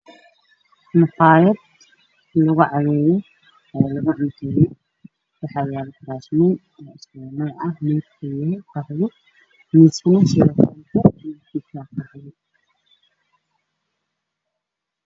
Maqayad kagu caweyo lagu cunteyo waxa yalo fasalin isku wada no. Ah mis iyo kors